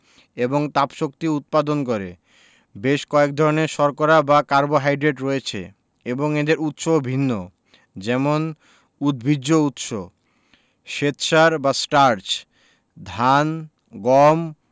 এবং তাপশক্তি উৎপাদন করে বেশ কয়েক ধরনের শর্করা বা কার্বোহাইড্রেট রয়েছে এবং এদের উৎসও ভিন্ন যেমন উদ্ভিজ্জ উৎস শ্বেতসার বা স্টার্চ ধান গম